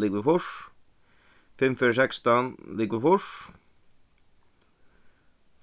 ligvið fýrs fimm ferðir sekstan ligvið fýrs